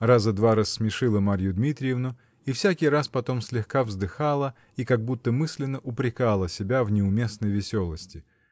раза два рассмешила Марью Дмитриевну и всякий раз потом слегка вздыхала и как будто мысленно упрекала себя в неуместной веселости